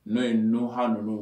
N ne ye n h ninnu